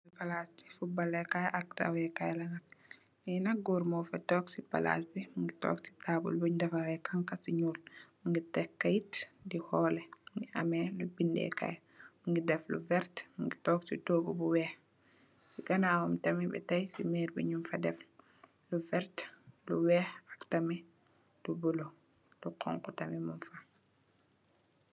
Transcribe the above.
Palaas ci footballèkaay ak dawèkaay la nak. Li nak gòor mo fi toog ci palaas bi. Mungi toog ci taabul bun defarè hangha ci ñuul, mungi tekk kayit di hoolè, mungi ameh bindèkaay, mungi deff lu vert, mungi toog ci toogu bu weeh. Ci ganaawam tamit bètaay ci mirr bi nung fa deff lu vert, lu weeh ak tamit lu bulo, lu honku tamit mung fa.